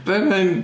Be mae hi'n?